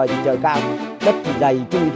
thì trời cao đất thì dày thì